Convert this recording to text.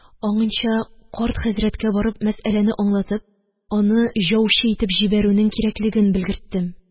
Аңынча карт хәзрәткә барып, мәсьәләне аңлатып, аны яучы итеп җибәрүнең кирәклеген белгерттем.